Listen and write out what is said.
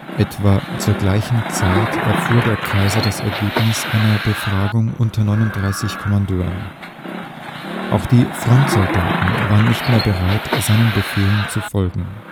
Etwa zur gleichen Zeit erfuhr der Kaiser das Ergebnis einer Befragung unter 39 Kommandeuren: Auch die Frontsoldaten waren nicht mehr bereit, seinen Befehlen zu folgen. Am